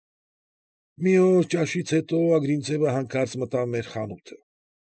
Մի օր ճաշից հետո Ագրինցևը հանկարծ մտավ մեր խանութը։